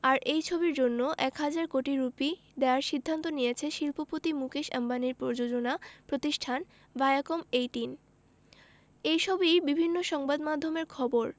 আর এই ছবির জন্য এক হাজার কোটি রুপি দেওয়ার সিদ্ধান্ত নিয়েছে শিল্পপতি মুকেশ আম্বানির প্রযোজনা প্রতিষ্ঠান ভায়াকম এইটিন এই সবই বিভিন্ন সংবাদমাধ্যমের খবর